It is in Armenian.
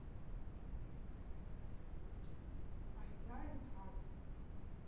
֊Այ դա էլ հարցն է։